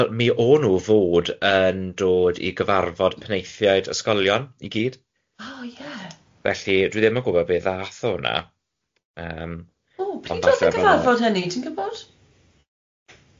Wel mi o'n nhw fod yn dod i gyfarfod peniaethied ysgolion i gyd. Oh ie. Felly dwi ddim yn gwbod be ddath o hwnna yym. Ww pryd o'dd y cyfarfod hynny ti'n gwbod?